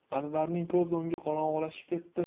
anvarning ko'z o'ngi qorong'ilashib ketdi